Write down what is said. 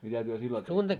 mitä te silloin teitte